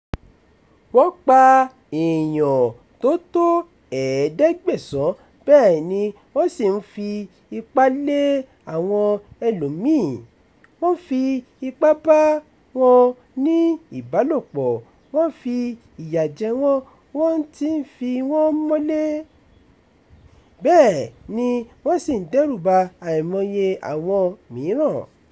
"Wọ́n pa èèyàn tó tó 1700, bẹ́ẹ̀ ni wọ́n sì ń fi ipá lé àwọn ẹlòmíìn, wọ́n ń fi ipá bá wọn ní ìbálòpọ̀, wọ́n ń fi ìyà jẹ wọ́n, wọ́n ń tì wọ́n mọ́lé, bẹ́ẹ̀ ni wọ́n sì ń dẹ́rùba àìmọye àwọn mìíràn".